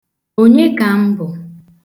Onye ka m bụ?